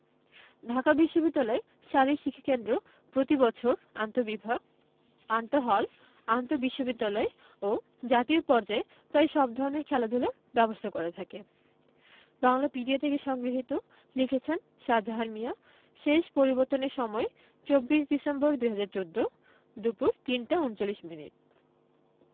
ঢাকা বিশ্ববিদ্যালয় শারীরিক শিক্ষা কেন্দ্র প্রতিবছর আন্তঃবিভাগ আন্তঃহল আন্তঃবিশ্ববিদ্যালয় ও জাতীয় পর্যায়ে প্রায় সব ধরনের খেলাধুলার ব্যবস্থা করে থাকে বাংলাপিডিয়া থেকে সংগৃহীত লিখেছেনঃ সাজাহান মিয়া শেষ পরিবর্তনের সময় ২৪ ডিসেম্বর ২০১৪ দুপুর ৩টা ৩৯মিনিট